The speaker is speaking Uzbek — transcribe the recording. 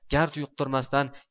gard yuqtirmasdan